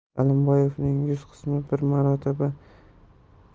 alimboyevning yuz qismiga bir marotaba